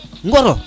ŋoro